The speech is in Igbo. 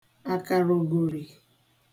àkàraògòrì